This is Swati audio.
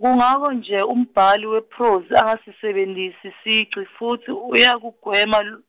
kungako nje umbhali wephrozi angasisebentisi sigci futsi uyakugwema l- ,